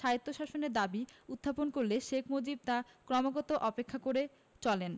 স্বায়ত্বশাসনের দাবী উত্থাপন করলে শেখ মুজিব তা ক্রমাগত উপেক্ষা করে চলেন